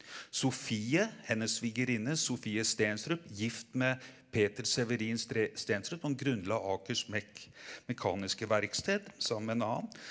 Sofie hennes svigerinne Sofie Steenstrup gift med Peter Severin Steenstrup som grunnla Akers mekaniske verksted sammen med en annen.